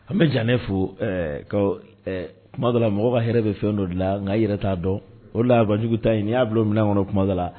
An bɛ jan ne fo ka kumadala mɔgɔ ka yɛrɛ bɛ fɛn dɔ de dilan la nka yɛrɛ t'a dɔn o la banjugu ta ɲini y'a bila min kɔnɔ kumada la